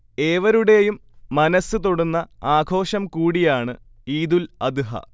ഏവരുടെയും മനസ്സ് തൊടുന്ന ആഘോഷം കൂടിയാണ് ഈദുൽ അദ്ഹ